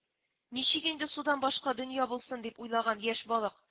Ничек инде судан башка дөнья булсын, дип уйлаган яшь балык